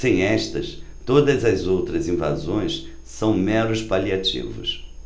sem estas todas as outras invasões são meros paliativos